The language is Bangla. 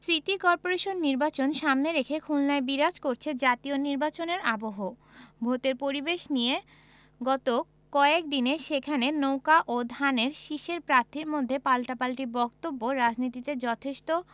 সিটি করপোরেশন নির্বাচন সামনে রেখে খুলনায় বিরাজ করছে জাতীয় নির্বাচনের আবহ ভোটের পরিবেশ নিয়ে গত কয়েক দিনে সেখানে নৌকা ও ধানের শীষের প্রার্থীর মধ্যে পাল্টাপাল্টি বক্তব্য রাজনীতিতে যথেষ্ট